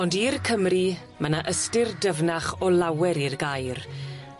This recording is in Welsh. Ond i'r Cymry, ma' 'ny ystyr dyfnach o lawer i'r gair.